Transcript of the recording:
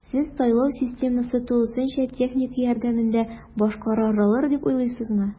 Сез сайлау системасы тулысынча техника ярдәмендә башкарарылыр дип уйлыйсызмы?